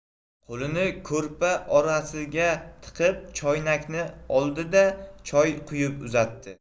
qo'lini ko'rpa orasiga tiqib choynakni oldi da choy quyib uzatdi